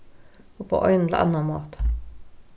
upp á ein ella annan máta